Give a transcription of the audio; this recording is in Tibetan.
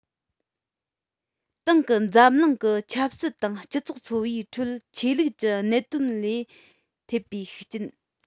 དེང གི འཛམ གླིང གི ཆབ སྲིད དང སྤྱི ཚོགས འཚོ བའི ཁྲོད ཆོས ལུགས ཀྱི གནད དོན ལས ཐེབས པའི ཤུགས རྐྱེན